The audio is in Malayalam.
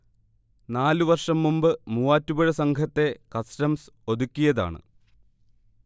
നാലു വർഷം മുമ്പ് മൂവാറ്റുപുഴ സംഘത്തെ കസ്റ്റംസ് ഒതുക്കിയതാണ്